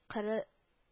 Кыры